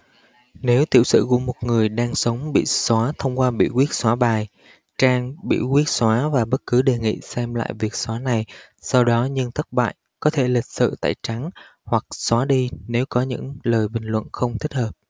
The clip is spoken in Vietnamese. nếu tiểu sử của một người đang sống bị xóa thông qua biểu quyết xóa bài trang biểu quyết xóa và bất cứ đề nghị xem lại việc xóa này sau đó nhưng thất bại có thể lịch sự tẩy trắng hoặc xóa đi nếu có những lời bình luận không thích hợp